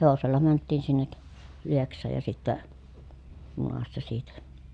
hevosella mentiin sinne Lieksaan ja sitten junassa siitä